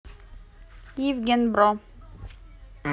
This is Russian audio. евгенбро